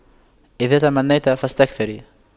إذا تمنيت فاستكثر